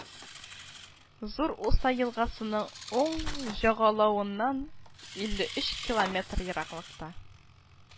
Зур Уса елгасының уң жагалауынан илле өч километр ераклыкта